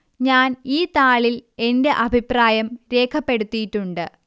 ഞാൻ ഈ താളിൾ എന്റെ അഭിപ്രായം രേഖപ്പെടുത്തിയിട്ടുണ്ട്